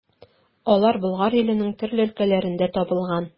Алар Болгар иленең төрле өлкәләрендә табылган.